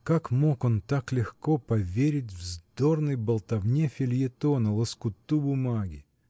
Как мог он так легко поверить вздорной болтовне фельетона, лоскуту бумаги?